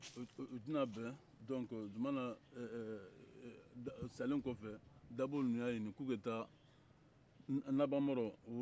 u tɛna bɛ donc zumana ɛɛ salen kɔfɛ dabo ninnu y'a ɲinin k'u bɛ taa nabamarɔ